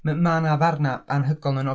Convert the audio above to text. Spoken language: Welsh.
m- ma' 'na ddarnau anhygoel yn y nofel.